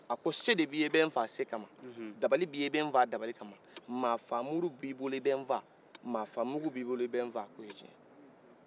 a ko se de b'i ye i bɛ faa se kama dabali b'i ye i bɛ faa dabali kama ma faa muru b' i bolo i bɛ faa ma faa mugu b'i bolo i bɛ faa